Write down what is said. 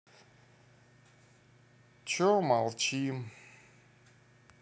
че молчим